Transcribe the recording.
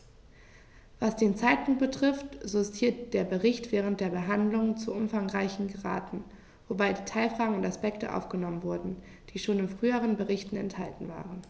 Was den Zeitpunkt betrifft, so ist hier der Bericht während der Behandlung zu umfangreich geraten, wobei Detailfragen und Aspekte aufgenommen wurden, die schon in früheren Berichten enthalten waren.